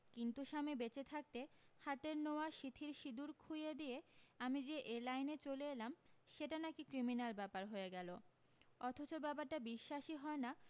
কিন্তু স্বামী বেঁচে থাকতে হাতের নোয়া সিঁথির সিঁদুর খুইয়ে দিয়ে আমি যে এ লাইনে চলে এলাম সেটা নাকি ক্রিমিন্যাল ব্যাপার হয়ে গেলো অথচ ব্যাপারটা বিশ্বাসৈ হয় না